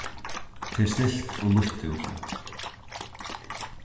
tað er stilt og lýtt úti